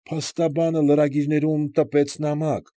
Փաստաբանը լրագիրներում տպեց նամակ։